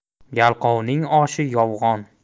yalqovning oshi yovg'on